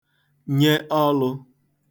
nye ọlụ̄